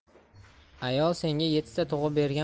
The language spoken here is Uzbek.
ayol senga yettita tug'ib bergan